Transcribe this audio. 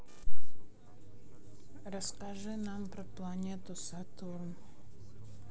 расскажи нам про планету сатурн